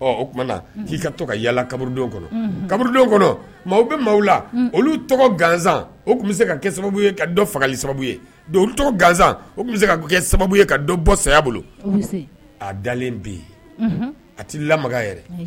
ɔ o tuma k'i ka to ka yaa kabdenw kɔnɔ kabdenw kɔnɔ bɛ maa la olu tɔgɔ gan o tun bɛ se ka kɛ sababu ka dɔ fagali sababu ye tɔgɔ gan o tun bɛ se ka kɛ sababu ye ka dɔ bɔ saya bolo a dalen bɛ ye a tɛ lama yɛrɛ